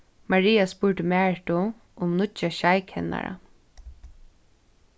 maria spurdi maritu um nýggja sjeik hennara